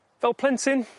Fel plentyn